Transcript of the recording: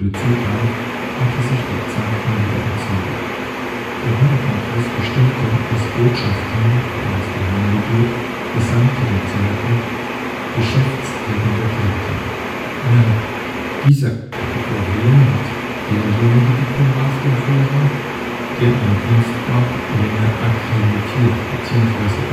zukam, hatte sich der Zank immer wieder entzündet). Der Wiener Kongress bestimmte, dass Botschaftern der erste Rang gebührt, Gesandten der zweite, Geschäftsträgern der dritte. Innerhalb dieser Kategorien hat derjenige Diplomat den Vorrang, der am Dienstort länger akkreditiert bzw.